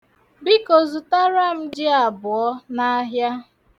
Biko, zụtara m ji abụọ n'ahịa.